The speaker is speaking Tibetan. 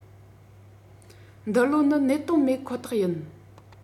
འདི ལོ ནི གནད དོན མེད ཁོ ཐག ཡིན